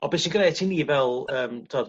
Ond be' sy'n grêt i ni fel yym t'od...